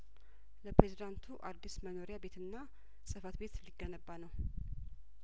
ለፕሬዚዳንቱ አዲስ መኖሪያ ቤትና ጽፈት ቤት ሊገነባ ነው